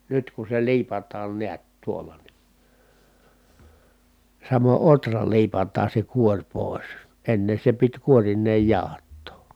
nyt kun se liipataan näet tuolla niin samoin ohra liipataan se kuori pois ennen se piti kuorineen jauhattaa